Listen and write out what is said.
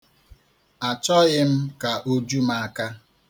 Achọghị m ka o ju m aka.